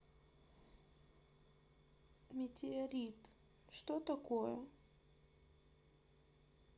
метеорит что такое